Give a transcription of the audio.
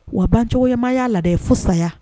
Wa bancogoyamaa y'a la dɛ fo saya